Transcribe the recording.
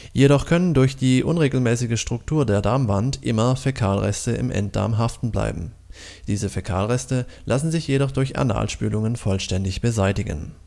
Jedoch können durch die unregelmäßige Struktur der Darmwand immer Fäkalreste im Enddarm haften bleiben. Diese Fäkalreste lassen sich jedoch durch Analspülungen vollständig beseitigen